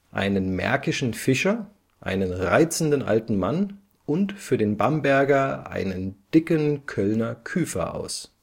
einen märkischen Fischer, einen reizenden alten Mann “und „ für den Bamberger einen dicken Kölner Küfer “aus